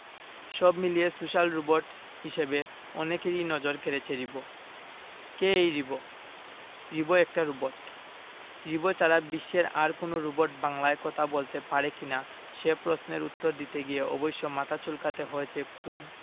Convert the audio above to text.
সব মিলিয়ে social robot হিসেবে অনেকেরই নজর কেড়েছে রিবো কে এই রিবো রিবো একটা রোবট রিবো ছাড়া বিশ্বের আর কোনো রোবট বাংলায় কথা বলতে পারে কি না সে প্রশ্নের উত্তর দিতে গিয়ে অবশ্য মাথা চুলকাতে হয়েছে খোদ